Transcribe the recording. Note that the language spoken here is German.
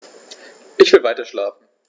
Ich will weiterschlafen.